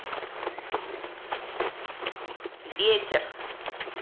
ветер